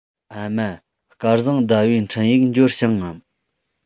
ཨ མ སྐལ བཟང ཟླ བའི འཕྲིན ཡིག འབྱོར བྱུང ངམ